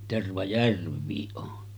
Tervajärvikin on